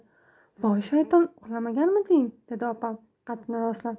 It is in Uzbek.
voy shayton uxlamaganmiding dedi opam qaddini rostlab